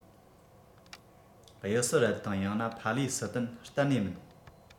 དབྱི སི རལ དང ཡང ན ཕ ལེ སི ཐན གཏན ནས མིན